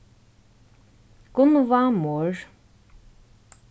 gunnvá mohr